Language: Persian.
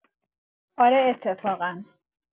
آره اتفاقا